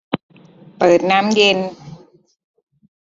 เปิดน้ำเย็น